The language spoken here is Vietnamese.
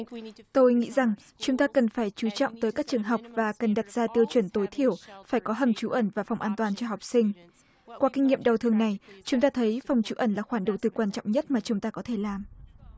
tôi nghĩ rằng chúng ta cần phải chú trọng tới các trường học và cần đặt ra tiêu chuẩn tối thiểu phải có hầm trú ẩn và phòng an toàn cho học sinh qua kinh nghiệm đau thương này chúng ta thấy phòng trú ẩn là khoản đầu tư quan trọng nhất mà chúng ta có thể làm